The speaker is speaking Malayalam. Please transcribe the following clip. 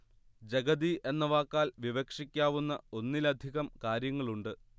ജഗതി എന്ന വാക്കാൽ വിവക്ഷിക്കാവുന്ന ഒന്നിലധികം കാര്യങ്ങളുണ്ട്